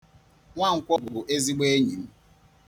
Nwankwọ bụ ezigbo enyi m.